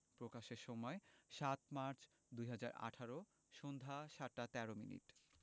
প্রকাশের সময় ৭মার্চ ২০১৮ সন্ধ্যা ৭টা ১৩ মিনিট